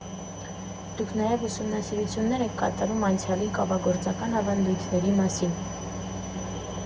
Դուք նաև ուսումնասիրություններ եք կատարում անցյալի կավագործական ավանդույթների մասին…